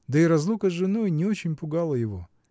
да и разлука с женой не очень пугала его